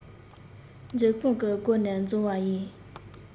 མཛོད ཁང གི སྒོ ནས འཛུལ བ ཡིན